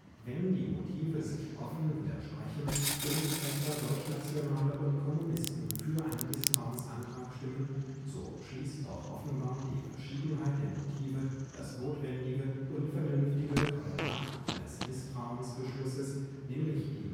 Wenn die Motive sich offen widersprechen und etwa Deutschnationale und Kommunisten für einen Misstrauensantrag stimmen, so schließt doch offenbar die Verschiedenheit der Motive das notwendige und vernünftige Korrelat eines Misstrauensbeschlusses, nämlich die